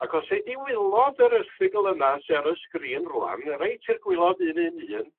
ag os ei di wilod yr erthygl yna sy ar y sgrin rŵan reit i'r gwilod un un un